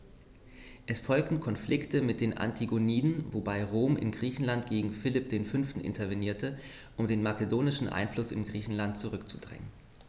Es folgten Konflikte mit den Antigoniden, wobei Rom in Griechenland gegen Philipp V. intervenierte, um den makedonischen Einfluss in Griechenland zurückzudrängen.